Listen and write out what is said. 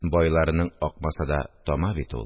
Байларның, акмаса да, тама бит ул